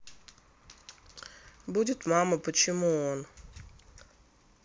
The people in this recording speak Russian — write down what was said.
будет мама почему он